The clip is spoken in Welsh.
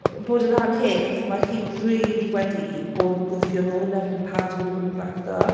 bod e'n anheg achos mae hi rili wedi bod yn gwthio'n ôl yn erbyn pawb sydd wedi bod yn grafftio.